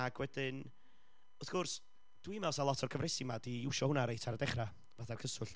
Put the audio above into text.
Ac wedyn, wrth gwrs, dwi'n meddwl 'sa lot o'r cyfresi 'ma 'di iwsio hwnna reit ar y dechra, fatha cyswllt.